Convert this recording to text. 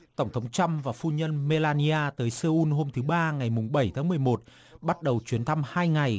tổng thống trăm và phu nhân mê la ni a tới xê un hôm thứ ba ngày mùng bảy tháng mười một bắt đầu chuyến thăm hai ngày